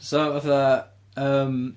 So fatha yym...